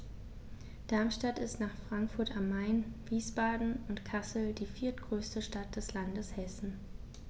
Darmstadt ist nach Frankfurt am Main, Wiesbaden und Kassel die viertgrößte Stadt des Landes Hessen